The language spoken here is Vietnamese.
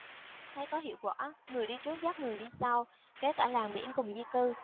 thấy có hiệu quả người đi trước dắt người đi sau kéo cả làng biển cùng di cư